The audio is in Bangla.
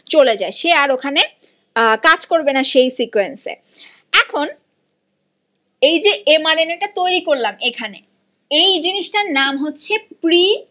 চলে যায় সে আর ওখানে কাজ করবে না সেই সিকোয়েন্সে এখন এই যে এম আর এন এটা তৈরি করলাম এখানে এই জিনিসটার নাম হচ্ছে প্রি